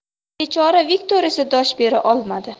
bechora viktor esa dosh bera olmadi